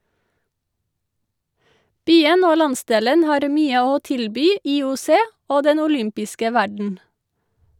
Byen og landsdelen har mye å tilby IOC og den olympiske verden.